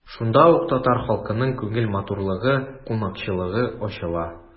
Шунда ук татар халкының күңел матурлыгы, кунакчыллыгы ачыла.